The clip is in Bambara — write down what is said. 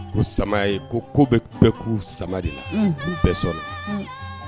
Ko sama ye ko ko bɛ bɛɛ k'u sama de la u bɛɛ sɔnna